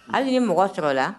Hali ni mɔgɔ sɔrɔla